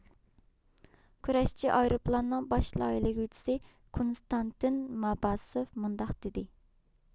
كۆرەشچى ئايرۇپىلاننىڭ باش لايىھىلىگۈچىسى كونستانتىن ماباسېۋ مۇنداق دېدى